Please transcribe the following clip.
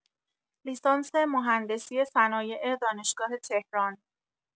لیسانس مهندسی صنایع دانشگاه تهران